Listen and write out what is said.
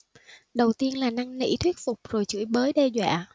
đầu tiên là năn nỉ thuyết phục rồi chửi bới đe dọa